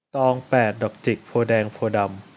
ตองแปดดอกจิกโพธิ์แดงโพธิ์ดำ